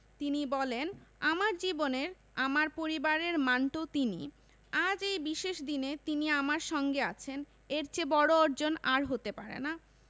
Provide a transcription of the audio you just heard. তিনি বলেন আমার জীবনের আমার পরিবারের মান্টো তিনি আজ এই বিশেষ দিনে তিনি আমার সঙ্গে আছেন এর চেয়ে বড় অর্জন আর হতে পারে না